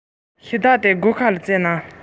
འཆི བདག གི སྒོ ཁར སླེབས པའི